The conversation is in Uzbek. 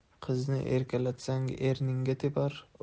qizni erkalatsang erningga tepar